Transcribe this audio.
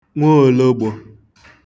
nwoōlōgbō